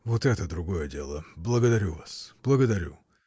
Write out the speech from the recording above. — Вот это другое дело: благодарю вас, благодарю!